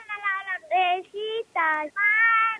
_ recitation _